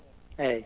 eeyi